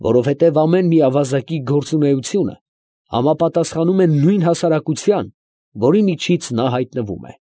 Որովհետև ամեն մի ավազակի գործունեությունը համապատասխանում է նույն հասարակության, որի միջից նա հայտնվում է։